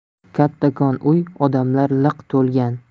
kattakon uy odamlar liq to'lgan